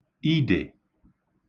idè